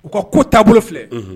U ka ko taabolo filɛ